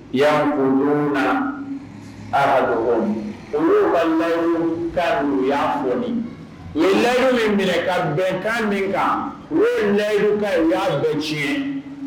Yankunurun na ara olu ka layi ka y'a fɔoni u ye layiuru in minɛ ka bɛnkan min kan u ye layi ka y'a dɔn tiɲɛ